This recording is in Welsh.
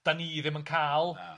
'dan ni ddim yn ca'l... Na.